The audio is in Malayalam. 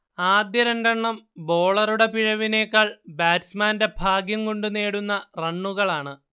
ആദ്യ രണ്ടെണ്ണം ബോളറൂടെ പിഴവിനേക്കാൾ ബാറ്റ്സ്മാന്റെ ഭാഗ്യംകൊണ്ടു നേടുന്ന റണ്ണുകളാണ്